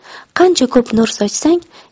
qancha ko'p nur sochsang